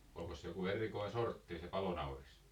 olikos se joku erikoinen sortti se palonauris